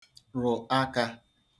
rụ̀ akā